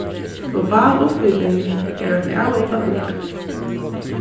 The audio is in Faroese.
global upphiting er eitt avoldað hugtak